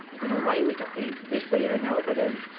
I don't know why we're talking English by here now, but erm.